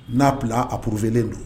N'a bila a porourvlen don